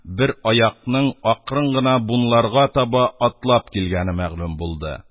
Бер аякның акрын гына бунларга таба атлап килгәне мәгълүм булды.